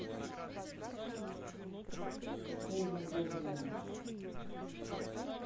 шельма ебаная